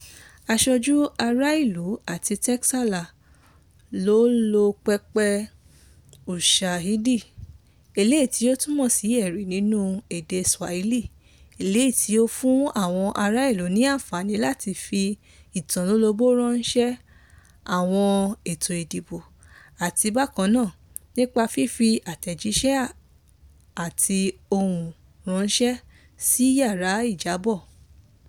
Asojú Ará ìlú àti Txeka-lá ń lo pẹpẹ Ushahidi (eléyií tí ó túmọ̀ sí "ẹ̀rí" nínú èdè Swahili), eléyìí tí ó fún àwọn ará ìlú ní àǹfààní láti fi ìtanilólobó ránṣẹ́ nípa àwọn ètò ìdìbò àti bákàn naà nípa fífi àtẹ̀jíṣẹ́ àti ohùn ránṣẹ́, sí "yàrá-ìjábọ̀"